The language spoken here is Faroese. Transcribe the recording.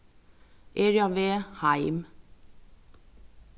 eg eri á veg heim